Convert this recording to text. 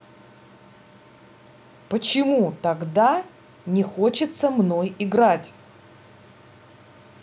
почему тогда не хочеться мной играть